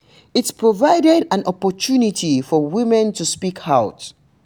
It provided an opportunity for women to speak out.